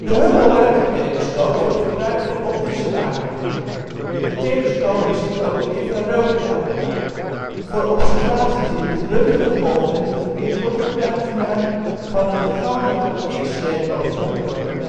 Hubble-ruimtetelescoop wordt gebruikt voor optische waarnemingen. De telescoop bezit ook een infraroodcamera. Voor observaties in het röntgengolflengtegebied wordt gebruik gemaakt van het Chandra X-Ray Observatory